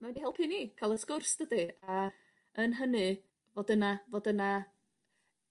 mae 'di helpu ni ca'l y sgwrs dydi? A yn hynny fod yna fod yna